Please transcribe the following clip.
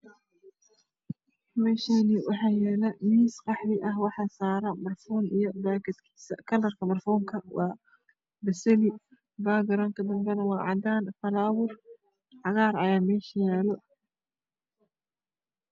Meeshaani waxaa yaalo miis qaxwi ah waxaa saaran perfume iyo baakad kiisa kalarka perfume ka waa basali background waa cadaan falaawer cagaar ayaa meesha yaalo